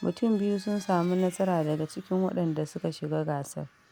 Mutum biyu sun samu nasara daga cikin waɗanda suka shiga gasar.